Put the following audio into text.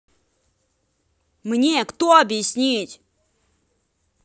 мне кто объяснить